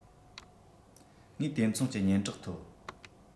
ངས དེ མཚུངས ཀྱི སྙན གྲགས ཐོབ